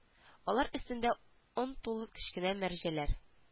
Алар өстендә он тулы кечкенә мәрҗәләр